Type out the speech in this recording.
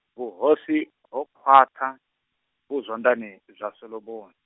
vhuhosi, ho khwaṱha, vhu zwanḓani, zwa Solomoni.